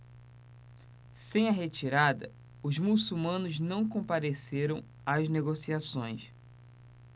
sem a retirada os muçulmanos não compareceram às negociações